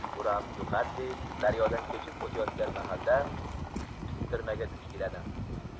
guram jo'xadze daryodan kechib o'tayotgan mahalda pistirmaga duch keladi